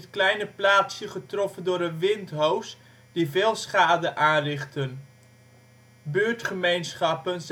kleine plaatsje getroffen door een windhoos die veel schade aanrichtte. Buurtgemeenschappen